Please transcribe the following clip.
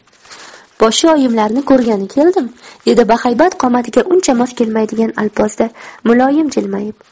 poshsha oyimlarni ko'rgani keldim dedi bahaybat qomatiga uncha mos kelmaydigan alpozda muloyim jilmayib